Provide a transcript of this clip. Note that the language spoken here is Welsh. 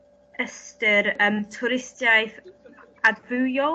ysdyr yym twristiaeth adfywiol?